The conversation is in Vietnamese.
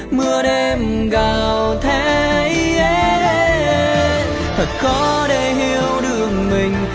mưa đêm thét gào thét thật khó để hiểu được mình